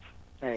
eeyi